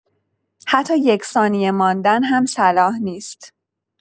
حتی یک ثانیه ماندن هم صلاح نیست.